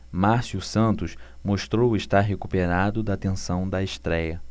márcio santos mostrou estar recuperado da tensão da estréia